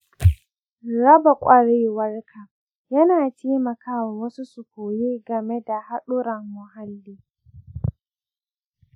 raba kwarewarka yana taimaka wa wasu su koyi game da haɗurran muhalli.